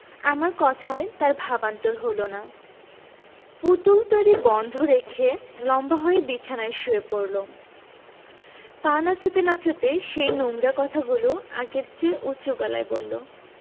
আমার কথায় তার ভাবান্তর হলো না পুতুল তৈরী বন্ধ রেখে লম্বা হয়ে বিছানায় শুয়ে পড়লো পা নাচাতে নাচাতে সেই নোংরা কথাগুলো আগের চেয়েও উচু গলায় বললো